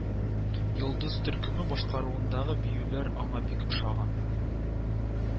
Йолдыз төркеме башкаруындагы биюләр аңа бик ошаган